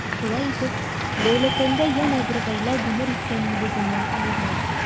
Шулай итеп, Дәүләкәндә янә бер гаилә гомер иткән нигезеннән аерыла.